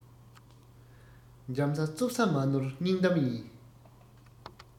འཇམ ས རྩུབ ས མ ནོར སྙིང གཏམ ཡིན